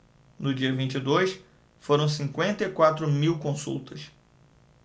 no dia vinte e dois foram cinquenta e quatro mil consultas